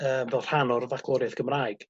yym fel rhan o'r Bagloriaeth Gymraeg